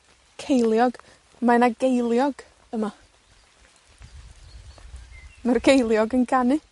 Ceiliog. Mae 'na geiliog yma. Ma'r ceiliog yn canu.